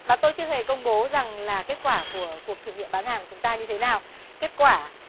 và tôi chưa hề công bố rằng là kết quả của cuộc thử nghiệm bán hàng của chúng ta như thế nào kết quả